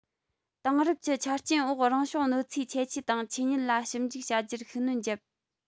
དེང རབས ཀྱི ཆ རྐྱེན འོག རང བྱུང གནོད འཚེའི ཁྱད ཆོས དང ཆོས ཉིད ལ ཞིབ འཇུག བྱ རྒྱུར ཤུགས སྣོན བརྒྱབ